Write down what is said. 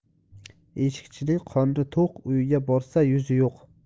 eshikchining qorni to'q uyga borsa yuzi yo'q